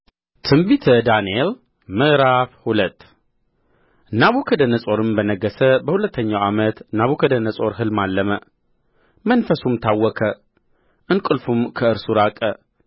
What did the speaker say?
ትንቢተ ዳንኤል ምዕራፍ ሁለት ናቡከደነፆርም በነገሠ በሁለተኛው ዓመት ናቡከደነፆር ሕልም አለመ መንፈሱም ታወከ እንቅልፉም ከእርሱ ራቀ